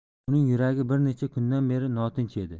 uning yuragi bir necha kundan beri notinch edi